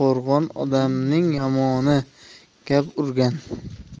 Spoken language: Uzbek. odamning yomoni gap urgan